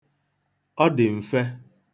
Ọ dị mfe.